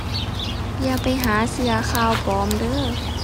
อย่าไปหาเชื่อข่าวปลอมเด้อ